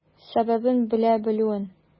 Сәбәбен белә белүен.